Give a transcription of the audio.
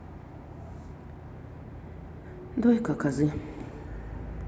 дойка козы